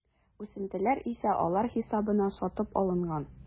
Үсентеләр исә алар хисабына сатып алынган.